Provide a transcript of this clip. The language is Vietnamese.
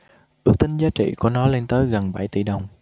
ước tính giá trị của nó lên tới gần bảy tỷ đồng